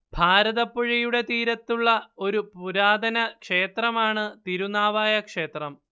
ഭാരതപ്പുഴയുടെ തീരത്തുള്ള ഒരു പുരാതനമായ ക്ഷേത്രമാണ് തിരുനാവായ ക്ഷേത്രം